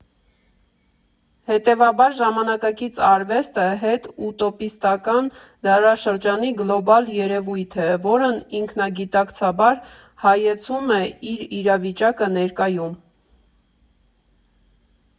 Հետևաբար՝ ժամանակակից արվեստը հետ֊ուտոպիստական դարաշրջանի գլոբալ երևույթ է, որն ինքնագիտակցաբար հայեցում է իր իրավիճակը ներկայում։